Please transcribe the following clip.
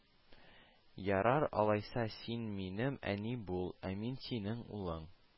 Ярар алайса, син минем әни бул, ә мин синең улың